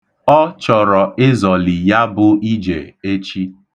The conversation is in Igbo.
Ọ chọrọ ịzọli ya bụ ije echi.